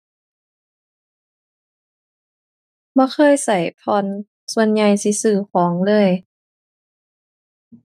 บ่เคยใช้ผ่อน ส่วนใหญ่สิซื้อของเลย